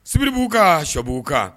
Sibi b'u ka shbugu u kan